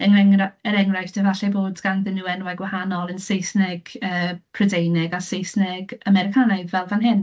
Er engra- er enghraifft, efallai bod ganddyn nhw enwau gwahanol yn Saesneg yy Prydeinig a Saesneg Americanaidd fel fan hyn.